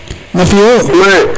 na fio